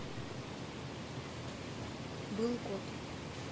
был кот